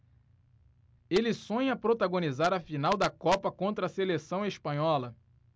ele sonha protagonizar a final da copa contra a seleção espanhola